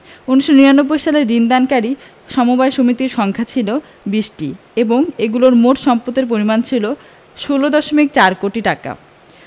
১৯৯৯ সালে ঋণ দানকারী সমবায় সমিতির সংখ্যা ছিল ২০টি এবং এগুলোর মোট সম্পদের পরিমাণ ছিল ১৬দশমিক ৪ কোটি টাকা